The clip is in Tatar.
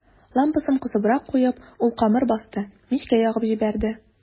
Лампасын кысыбрак куеп, ул камыр басты, мичкә ягып җибәрде.